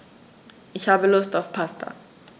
Ich habe Lust auf Pasta.